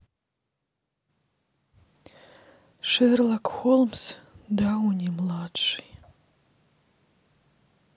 шерлок холмс дауни младший